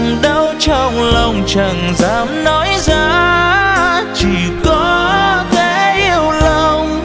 đau trong lòng chẳng dám nói ra chỉ có thể yếu lòng